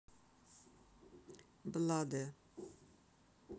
blade